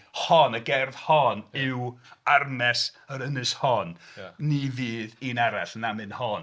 Hon, y gerdd hon, yw Armes yr nys hon, ni fydd un arall namyn hon.